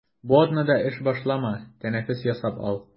Бу атнада эш башлама, тәнәфес ясап ал.